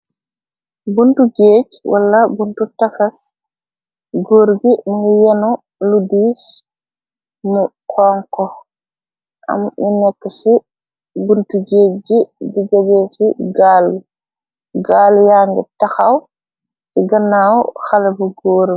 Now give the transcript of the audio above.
Buntu géej wala buntu tafas góor gi nu yenu lu diis mu konko am ni nekk ci buntu géej gi digage ci gaalu gaalu yang taxaw ci ganaaw xale bu góoru.